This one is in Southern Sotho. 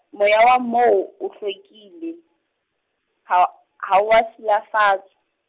moya wa moo o hlwekile, ha o- ha oa silafatse.